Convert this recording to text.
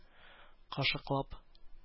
Кашыклап